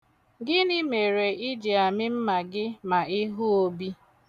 Gịnị mere ị ji amị mma gị ma ị hụ Obi?